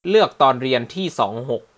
เลือกตอนเรียนที่สองหก